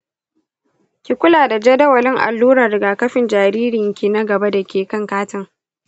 ki kula da jadawalin allurar rigakafin jaririnki na gaba dake kan katin.